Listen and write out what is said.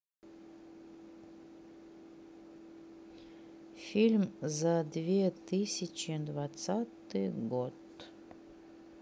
фильм за две тысячи двадцатый год